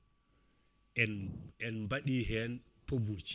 en en baɗihen pompe uji